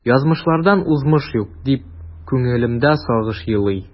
Язмышлардан узмыш юк, дип күңелемдә сагыш елый.